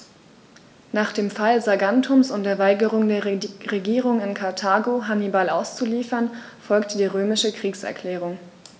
Nach dem Fall Saguntums und der Weigerung der Regierung in Karthago, Hannibal auszuliefern, folgte die römische Kriegserklärung.